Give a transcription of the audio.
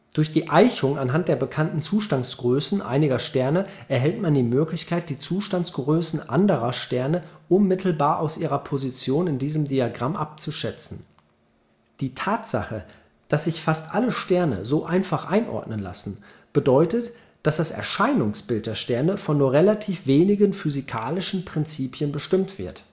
Durch eine Eichung anhand der bekannten Zustandsgrößen einiger Sterne erhält man die Möglichkeit, die Zustandsgrößen anderer Sterne unmittelbar aus ihrer Position in diesem Diagramm abzuschätzen. Die Tatsache, dass sich fast alle Sterne so einfach einordnen lassen, bedeutet, dass das Erscheinungsbild der Sterne von nur relativ wenigen physikalischen Prinzipien bestimmt wird